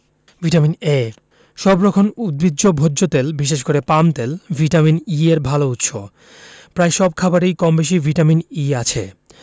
vitamin A সব রকম উদ্ভিজ্জ ভোজ্য তেল বিশেষ করে পাম তেল ভিটামিন ই এর ভালো উৎস প্রায় সব খাবারেই কমবেশি ভিটামিন ই আছে